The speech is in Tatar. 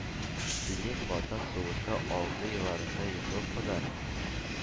– бөек ватан сугышы алды елларында европада,